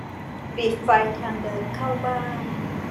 ปิดไฟทางเดินเข้าบ้าน